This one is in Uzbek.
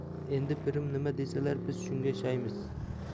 endi pirim nima desalar biz shunga shaymiz